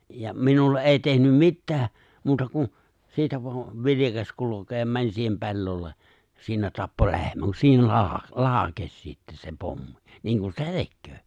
ja minulle ei tehnyt mitään muuta kuin siitä vain vilkaisi kulkemaan meni siihen pellolle siinä tappoi lehmän kun siinä - laukesi sitten se pommi niin kuin se tekee